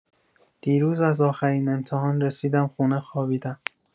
دیروز از آخرین امتحان رسیدم خونه خوابیدم.